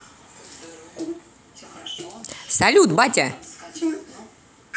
салют батя